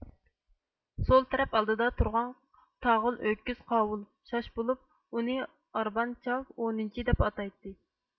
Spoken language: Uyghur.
سول تەرەپ ئالدىدا تۇرغان تاغىل ئۆكۈز قاۋۇل شاش بولۇپ ئۇنى ئاربان چاگ ئونىنچى دەپ ئاتايتتى